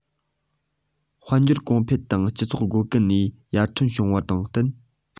དཔལ འབྱོར གོང འཕེལ དང སྤྱི ཚོགས སྒོ ཀུན ནས ཡར ཐོན བྱུང བ དང བསྟུན